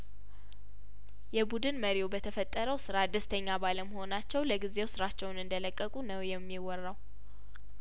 የቡድን መሪው በተፈጠረው ስራ ደስተኛ ባለመሆ ናቸው ለጊዜው ስራቸውን እንደለቁቁ ነው የሚወራው